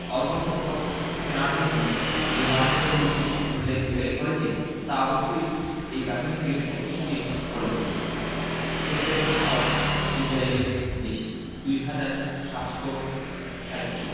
অল্পসংখ্যক সেনার জন্য যে মানের প্রযুক্তি ইসরায়েল ব্যবহার করছে তা অবশ্যই এই বাহিনীকে শক্তিশালী করে তুলছে ট্যাংকের সংখ্যাও ইসরায়েলের বেশি ২ হাজার ৭৬০টি